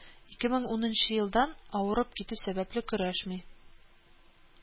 Ике мең унынчы елдан, авырып китү сәбәпле көрәшми